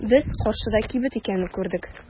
Без каршыда кибет икәнен күрдек.